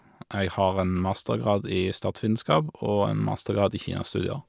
Jeg har en mastergrad i statsvitenskap og en mastergrad i kinastudier.